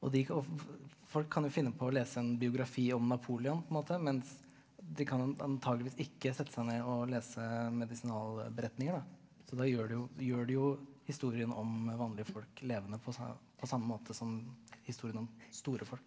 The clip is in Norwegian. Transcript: og de og folk kan jo finne på å lese en biografi om Napoleon på en måte mens de kan antakeligvis ikke sette seg ned og lese medisinalberetninger da, så da gjør du jo gjør du jo historien om vanlige folk levende på på samme måte som historien om store folk.